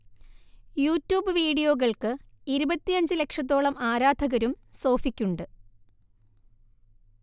YouTube വീഡിയോകൾക്ക് ഇരുപത്തിയഞ്ചു ലക്ഷത്തോളം ആരാധകരും സോഫിക്കുണ്ട്